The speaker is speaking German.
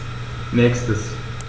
Nächstes.